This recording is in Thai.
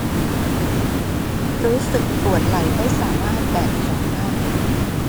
รู้สึกปวดไหล่ไม่สามารถแบกของได้